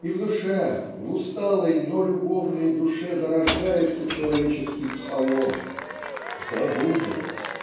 И в душе, в усталой, но любовной душе зарождается человеческий псалом "Да будет.